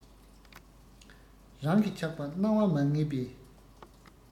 རང གི ཆགས པ སྣང བ མ ངེས པས